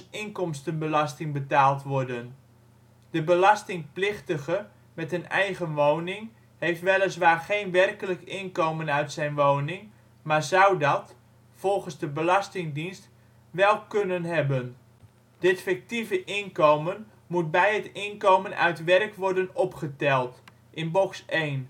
inkomstenbelasting betaald worden. De belastingplichtige met een eigen woning heeft weliswaar geen werkelijk inkomen uit zijn woning, maar zou dat (volgens de belastingdienst) wel kunnen hebben. Dit fictieve inkomen moet bij het inkomen uit werk worden opgeteld (box 1